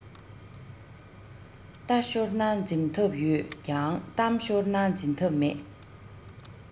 རྟ ཤོར ན འཛིན ཐབས ཡོད ཀྱང གཏམ ཤོར ན འཛིན ཐབས མེད